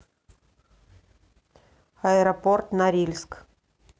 аэропорт норильск